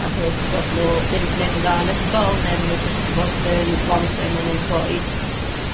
achos bod n'w ddim 'di neud yn dda yn ysgol ne' ma' n'w jyst 'di bod yn long term unemployed.